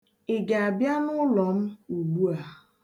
Ị ga-abịa n'ụlọ m ugbua?